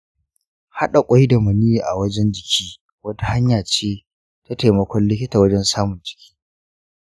haɗa ƙwai da maniyyi a wajen jiki wata hanya ce ta taimakon likita wajen samun ciki.